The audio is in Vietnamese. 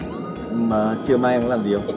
mà trưa mai em có làm gì không